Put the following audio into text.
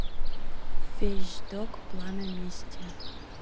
вещдок пламя мести